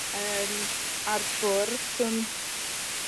yym ar bwrdd so n-